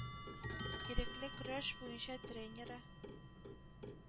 Ирекле көрәш буенча тренеры